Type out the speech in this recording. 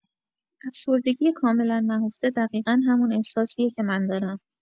افسردگی کاملا نهفته دقیقا همون احساسیه که من دارم.